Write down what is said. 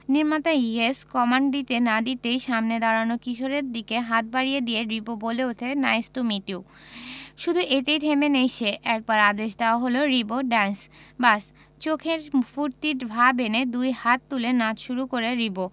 নির্মাতা yes command দিতে না দিতেই সামনের দাঁড়ানো কিশোরের দিকে হাত বাড়িয়ে দিয়ে রিবো বলে উঠে নাইস টু মিট ইউ শুধু এতেই থেমে নেই সে একবার আদেশ দেওয়া হলো রিবো ড্যান্স ব্যাস চোখে ফূর্তির ভাব এনে দুই হাত তুলে নাচ শুরু করে রিবো